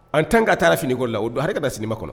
En tant que a taara finiko la o don , a yɛrɛ kana sini ma kɔnɔ.